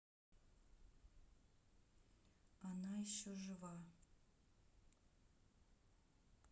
она еще жива